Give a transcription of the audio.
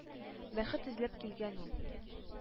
Бәхет эзләп килгән ул.